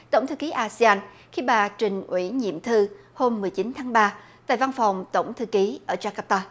tổng thư ký a si an khi bà trình ủy nhiệm thư hôm mười chín tháng ba tại văn phòng tổng thư ký ở da các ta